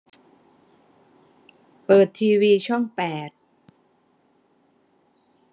เปิดทีวีช่องแปด